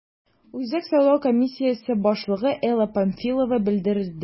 Үзәк сайлау комиссиясе башлыгы Элла Памфилова белдерде: